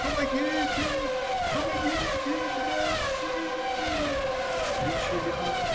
Помогите, помогите, братцы!- кричу я